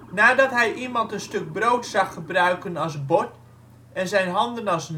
Nadat hij iemand een stuk brood zag gebruiken als bord en zijn handen als